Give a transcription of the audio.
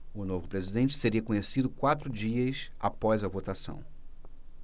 o novo presidente seria conhecido quatro dias após a votação